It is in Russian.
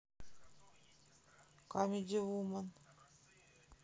камеди вуман